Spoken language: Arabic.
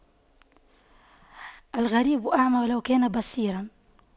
الغريب أعمى ولو كان بصيراً